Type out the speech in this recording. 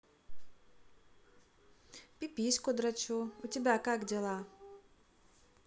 пипиську дрочу у тебя как дела